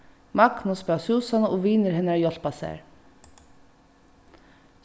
magnus bað súsannu og vinir hennara hjálpa sær